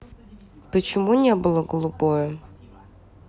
почему не было голубое